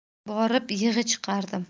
borib yig'i chiqardim